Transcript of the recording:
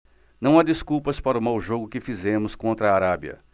não há desculpas para o mau jogo que fizemos contra a arábia